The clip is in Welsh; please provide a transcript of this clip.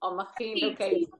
On ma' chi'n oce...